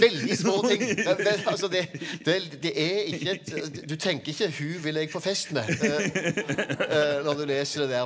veldig små ting altså det det er ikke et du tenker ikke hun vil jeg på fest med når du leser det der.